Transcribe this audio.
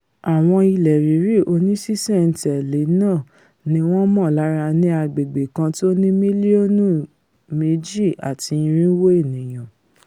Àwọn ilẹ̀ rírì oní-ṣiṣẹ̀-ń-tẹ̀lé náà ní wọ́n mọ̀lára ní agbègbè̀ kan tóní mílíọ̀nù méjí àti irinwó ènìyàn.